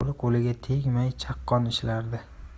qo'li qo'liga tegmay chaqqon ishlardi